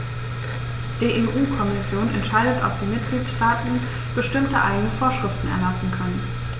Die EU-Kommission entscheidet, ob die Mitgliedstaaten bestimmte eigene Vorschriften erlassen können.